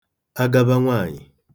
agaba nwaànyị̀